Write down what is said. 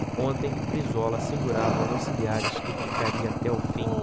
ontem brizola assegurava aos auxiliares que ficaria até o fim